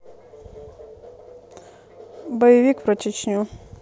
боевик про чечню